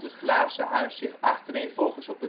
glazen huis zich achtereenvolgens op